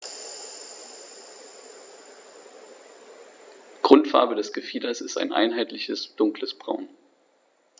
Grundfarbe des Gefieders ist ein einheitliches dunkles Braun.